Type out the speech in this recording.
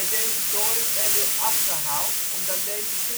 deze toren er weer afgehaald, omdat deze